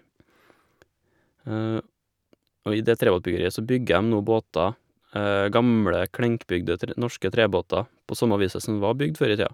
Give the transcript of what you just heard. Og i det trebåtbyggeriet så bygger dem nå båter, gamle klinkbygde tre norske trebåter, på samme viset som det var bygd før i tida.